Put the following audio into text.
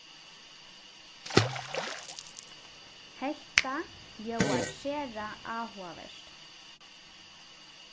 hetta ljóðar sera áhugavert